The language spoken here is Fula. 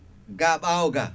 ga ɓawo ga